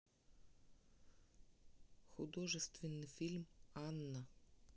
художественный фильм анна